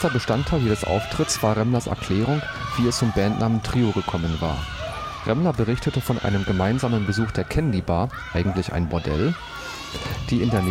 Bestandteil jedes Auftritts war Remmlers Erklärung, wie es zum Bandnamen Trio gekommen war: Remmler berichtete von einem gemeinsamen Besuch der „ Candy-Bar “(eigentlich ein Bordell), die in der